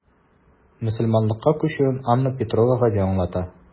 Мөселманлыкка күчүен Анна Петрова гади аңлата.